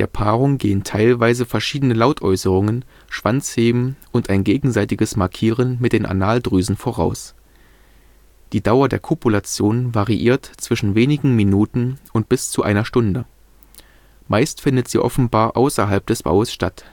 Paarung gehen teilweise verschiedene Lautäußerungen, Schwanzheben und ein gegenseitiges Markieren mit den Analdrüsen voraus. Die Dauer der Kopulation variiert zwischen wenigen Minuten und bis zu einer Stunde. Meist findet sie offenbar außerhalb des Baues statt